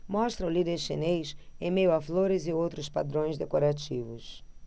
mostra o líder chinês em meio a flores e outros padrões decorativos